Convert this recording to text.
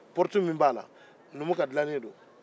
pɔritu min b'a la numu ka dilalen don